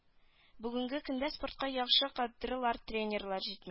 Бүгенге көндә спортка яхшы кадрлар тренерлар җит